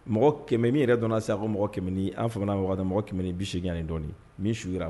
Mɔgɔ kɛmɛ min yɛrɛ donna sisan ko mɔgɔ kɛmɛ ni an fana wagada mɔgɔ kɛmɛ ni bi se dɔɔninɔnin min su jira